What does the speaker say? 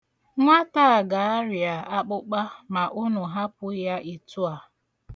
Nwata a ga-arịa akpụkpa ma ụnụ hapụ ya etua.